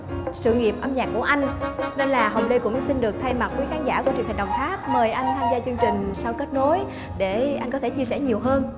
sự nghiệp âm nhạc của anh nên là hồng lê cũng xin được thay mặt quý khán giả của truyền hình đồng tháp mời anh tham gia chương trình sao kết nối để anh có thể chia sẻ nhiều hơn